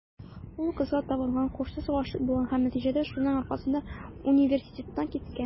Ул кызга табынган, һушсыз гашыйк булган һәм, нәтиҗәдә, шуның аркасында университеттан киткән.